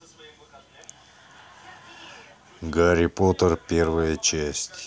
гарри поттер первая часть